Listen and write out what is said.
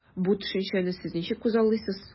Бу төшенчәне сез ничек күзаллыйсыз?